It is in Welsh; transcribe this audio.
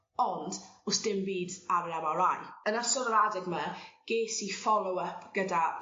ond o's dim byd ar yr Em Are Eye Yn ystod yr adeg 'ma ges i follow up gyda...